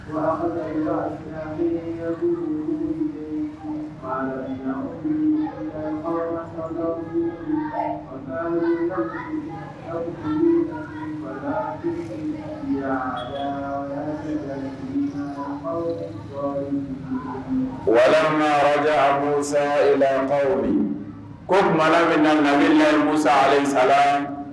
Wa walima musa laban ko tuma bɛ nagamini musa le sa